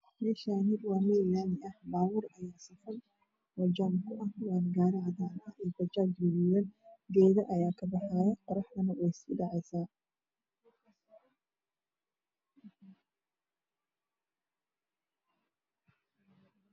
Meeshaani waa meel laami ah baabuur ayaa socda oojaam ku ah waa gaari cadaan gaduudan geedo ayaa ka baxaayo qoraxdana way sii dhacaysaa